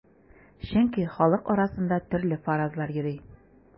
Чөнки халык арасында төрле фаразлар йөри.